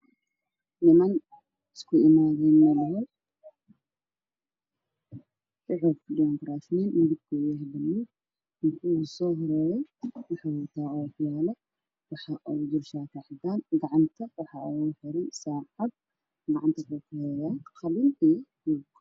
Waa niman meel iskugu imaaday wuxuu ku fadhiyaan kuraas ninka ugu horeeyo wuxuu wataa shaati buluug ah gacantiisa waxa ku xiran saacad